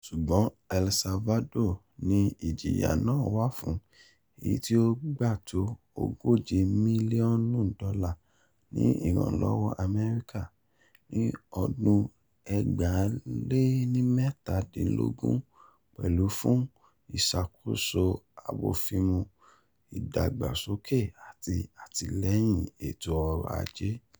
Ṣùgbọ́n El Salvador ni ìjìyà náà wà fún, èyití ó gbà tó $ 140 milionu ní ìrànlọ́wọ́ Amẹ́ríkà ní ọdún 2017, pẹ̀lú fún ìṣàkóso abófimu, ìdàgbàsókè àti àtìlẹ́yìn ètò ọrọ̀ ajé.